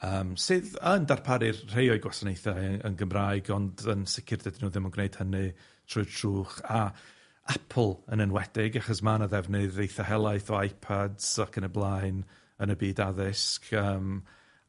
yym, sydd yn darparu'r rhei o'u gwasanaethau yn Gymraeg, ond yn sicir dydyn nw ddim yn gwneud hynny trwy'r trwch, a Apple, yn enwedig, achos ma' 'na ddefnydd eitha helaeth o iPads ac yn y blaen, yn y byd addysg, yym,